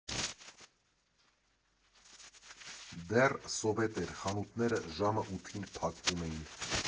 Դեռ Սովետ էր, խանութները ժամը ութին փակվում էին։